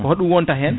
ko hoɗum wonta hen